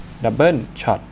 ดับเบิ้ลช็อต